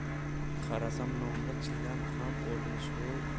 qarasam nonda chindan ham oltmishvoy